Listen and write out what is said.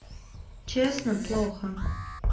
честно плохо